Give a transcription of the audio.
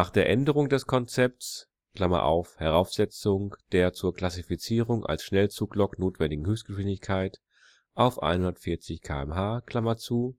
der Änderung des Konzepts (Heraufsetzung der zur Klassifizierung als Schnellzuglok notwendigen Höchstgeschwindigkeit auf 140 km/h